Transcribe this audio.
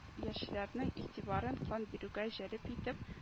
Яшьләрнең игътибарын кан бирүгә җәлеп итеп